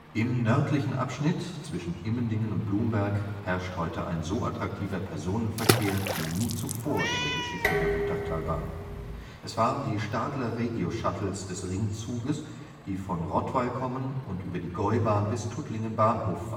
Im nördlichen Abschnitt zwischen Immendingen und Blumberg herrscht heute ein so attraktiver Personenverkehr wie nie zuvor in der Geschichte der Wutachtalbahn. Es fahren die Stadler-Regio-Shuttles des Ringzugs, die von Rottweil kommen und über die Gäubahn bis Tuttlingen Bahnhof